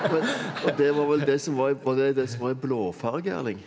og det var vel det som var var det det som var i blåfarge Erling?